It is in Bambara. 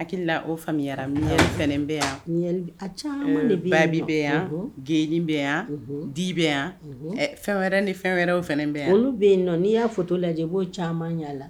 Hakili o faamuya bɛ yan a caman ni ba bɛ yan grin bɛ yan di bɛ yan fɛn wɛrɛ ni fɛn wɛrɛw fana bɛ yan olu bɛ yen n'i y'a fɔ lajɛ i b'o caman ɲɛ